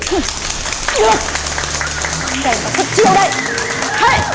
hứ được xem ta xuất chiêu đây hây